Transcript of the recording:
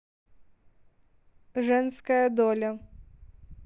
женская доля